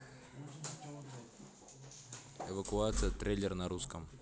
эвакуация трейлер на русском